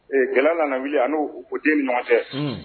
Gɛlɛya la wuli n' o den ɲɔgɔn tɛ